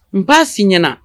Nba' si ɲɛnaɲɛna